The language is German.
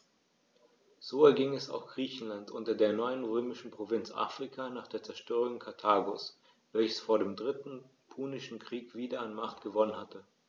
So erging es auch Griechenland und der neuen römischen Provinz Afrika nach der Zerstörung Karthagos, welches vor dem Dritten Punischen Krieg wieder an Macht gewonnen hatte.